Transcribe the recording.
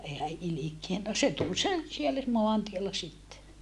ei hän ilkeä no se tuli sen siellä maantiellä sitten